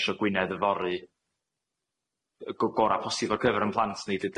isho Gwynedd Yfory y go- gora' posib ar gyfer 'yn plant ni